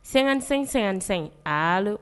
Sansen ssan in ala